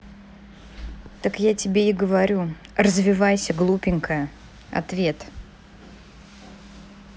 так я тебе и говорю развивайся глупенькая ответ